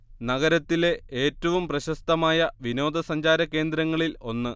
നഗരത്തിലെ ഏറ്റവും പ്രശസ്തമായ വിനോദസഞ്ചാര കേന്ദ്രങ്ങളിൽ ഒന്ന്